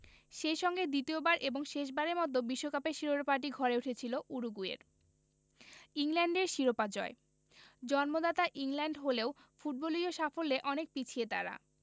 সেই সঙ্গে দ্বিতীয়বার এবং শেষবারের মতো বিশ্বকাপের শিরোপাটি ঘরে উঠেছিল উরুগুয়ের ইংল্যান্ডের শিরোপা জয় জন্মদাতা ইংল্যান্ড হলেও ফুটবলীয় সাফল্যে অনেক পিছিয়ে তারা